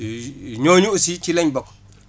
ñooñu ausi ci lañ bokk